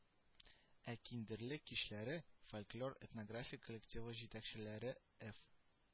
Ә Киндерле кичләре фольклор-этнографик коллективы җитәкчеләре эф